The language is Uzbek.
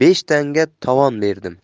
besh tanga tovon berdim